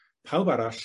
Pawb arall